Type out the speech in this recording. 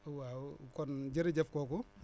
waaw kon jërëjëf kooku